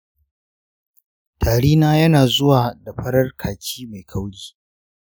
tari na yana zuwa da farar kaki mai kauri.